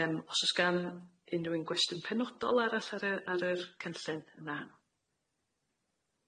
Yym os o's gan unrywun gwestiwn penodol arall ar y ar yr cynllun na.